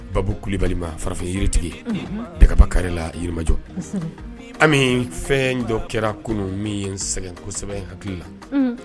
Babu kulubali farafin yiritigi bɛɛ kababakarila yirimajɔ ami fɛn dɔ kɛra kunun min sɛgɛn kosɛbɛ hakili la